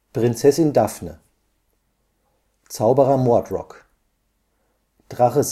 Prinzessin Daphne Zauberer Mordroc Drache